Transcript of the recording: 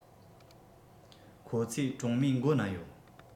ཁོ ཚོའི གྲོང མིའི མགོ ན ཡོད